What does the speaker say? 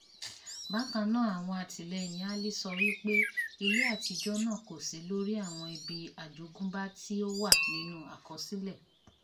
Bákan náà àwọn alátìlẹ́yìn AL sọ wípé ilé àtijọ́ náà kò sí lóríi àwọn ibi àjogúnbá tí ó wà nínú àkọsílẹ̀.